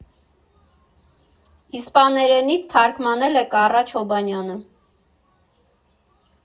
Իսպաներենից թարգմանել է Կառա Չոբանյանը։